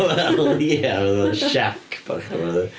Wel ia fatha shack bach neu rywbath.